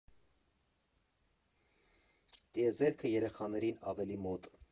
Տիեզերքը՝ երեխաներին ավելի մոտ։